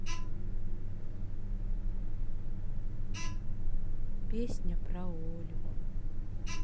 песня про юлю